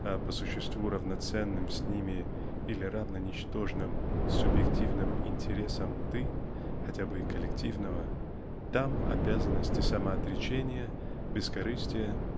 а по существу равноценным с ними (или равно ничтожным) субъективным интересам "ты"--хотя бы и коллективного -- там обязанности самоотречения бескорыстия